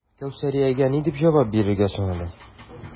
Кәүсәриягә ни дип җавап бирергә соң әле?